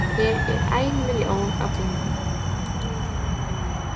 her er ein millión av klemmum